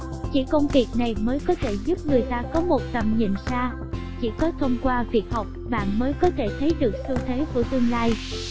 chỉ công việc này mới có thể giúp người ta có một tầm nhìn xa chỉ có thông qua việc học bạn mới có thể thấy được xu thế của tương lai